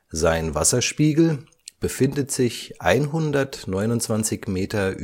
Sein Wasserspiegel befindet sich 129 m